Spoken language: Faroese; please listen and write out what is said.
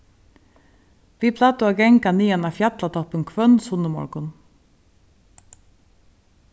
vit plagdu at ganga niðan á fjallatoppin hvønn sunnumorgun